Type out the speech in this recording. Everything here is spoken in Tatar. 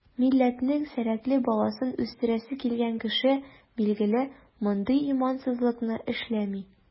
Милләтнең сәләтле баласын үстерәсе килгән кеше, билгеле, мондый имансызлыкны эшләми.